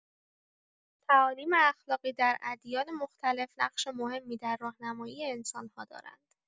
تعالیم اخلاقی در ادیان مختلف نقش مهمی در راهنمایی انسان‌ها دارند.